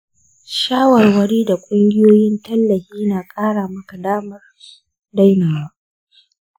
shawarwari da ƙungiyoyin tallafi na ƙara maka damar dainawa.